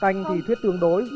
tanh thì thuyết tương đối